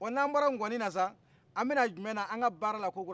wa n'an bɔra ŋɔni sa an bɛ na jumɛnna an ka baara kokura